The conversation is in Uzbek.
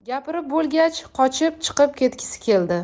gapirib bo'lgach qochib chiqib ketgisi keldi